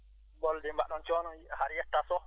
Ɓolde mbaɗɗon coono haɗa yetta Sow